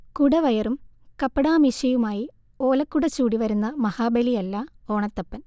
കുടവയറും കപ്പടാമീശയുമായി ഓലക്കുട ചൂടിവരുന്ന മഹാബലിയല്ല ഓണത്തപ്പൻ